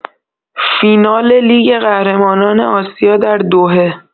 فینال لیگ قهرمانان آسیا در دوحه